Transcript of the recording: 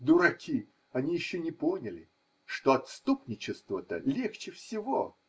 Дураки – они еще не поняли, что отступничество-то легче всего.